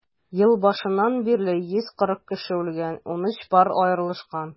Ел башыннан бирле 140 кеше үлгән, 13 пар аерылышкан.